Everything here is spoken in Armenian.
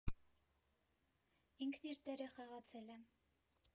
Ինքն իր դերը խաղացել է։